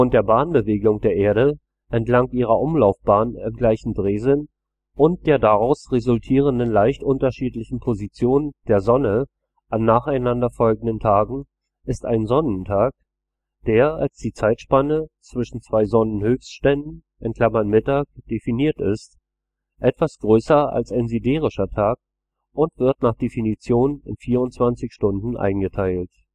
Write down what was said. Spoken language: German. der Bahnbewegung der Erde entlang ihrer Umlaufbahn im gleichen Drehsinn und der daraus resultierenden leicht unterschiedlichen Position der Sonne an nacheinander folgenden Tagen ist ein Sonnentag, der als die Zeitspanne zwischen zwei Sonnenhöchstständen (Mittag) definiert ist, etwas größer als ein siderischer Tag und wird nach Definition in 24 Stunden eingeteilt